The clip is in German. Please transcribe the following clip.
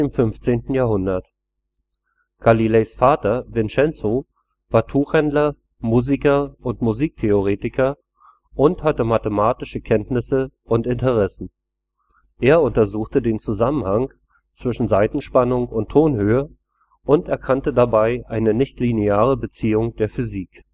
15. Jahrhundert). Galileis Vater Vincenzo war Tuchhändler, Musiker und Musiktheoretiker und hatte mathematische Kenntnisse und Interessen; er untersuchte den Zusammenhang zwischen Saitenspannung und Tonhöhe und erkannte dabei eine nichtlineare Beziehung der Physik